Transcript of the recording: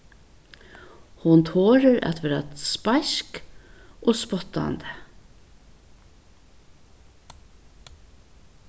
hon torir at vera speisk og spottandi